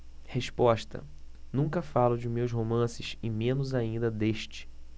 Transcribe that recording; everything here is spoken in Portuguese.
resposta nunca falo de meus romances e menos ainda deste